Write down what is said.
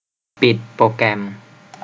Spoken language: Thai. ปิดโปรแกรม